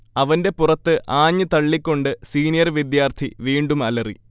അവന്റെ പുറത്ത്ആഞ്ഞു തള്ളിക്കൊണ്ടു സീനിയർ വിദ്യാർത്ഥി വീണ്ടും അലറി